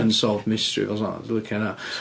Unsolved mystery, dwi'n licio rheina.